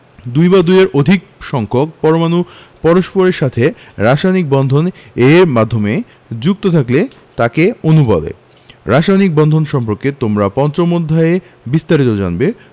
দুই বা দুইয়ের অধিক সংখ্যক পরমাণু পরস্পরের সাথে রাসায়নিক বন্ধন এর মাধ্যমে যুক্ত থাকলে তাকে অণু বলে রাসায়নিক বন্ধন সম্পর্কে তোমরা পঞ্চম অধ্যায়ে বিস্তারিত জানবে